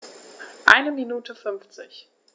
Eine Minute 50